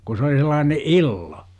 kun se oli sellainen illo